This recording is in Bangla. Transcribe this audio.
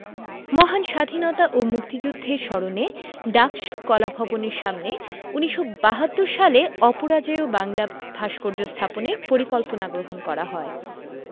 মহান স্বাধীনতা ও মুক্তিযুদ্ধের স্মরণে ডাকসু কলাভবনের সামনে ১৯৭২ সালে অপরাজেয় বাংলা ভাস্কর্য স্থাপনের পরিকল্পনা গ্রহণ করা হয়